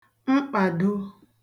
mkpàdo